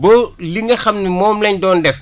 ba li nga xam ne moom lañ doon def